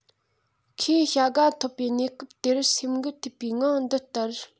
ཁོས བྱ དགའ ཐོབ པའི གནས སྐབས དེར སེམས འགུལ ཐེབས པའི ངང འདི ལྟར